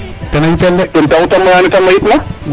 ten taxu ta maya ne ta mayitna